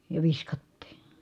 ja viskattiin